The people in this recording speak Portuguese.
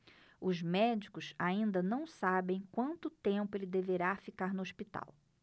os médicos ainda não sabem quanto tempo ele deverá ficar no hospital